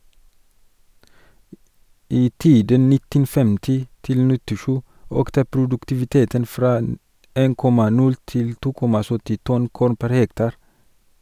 I tiden 1950 -97 økte produktiviteten fra 1,0 til 2,70 tonn korn pr. hektar.